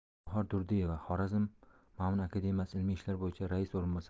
gavhar durdiyeva xorazm ma'mun akademiyasi ilmiy ishlar bo'yicha rais o'rinbosari